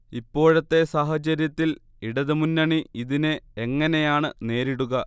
ഇപ്പോഴത്തെ സാഹചര്യത്തിൽ ഇടതുമുന്നണി ഇതിനെ എങ്ങനെയാണ് നേരിടുക